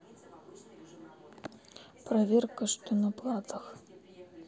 проверка что на платах